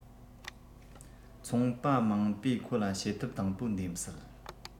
ཚོང པ མང པོས ཁོ ལ བྱེད ཐབས དང པོ འདེམས སྲིད